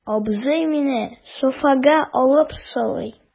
Абзый мине софага алып сылый.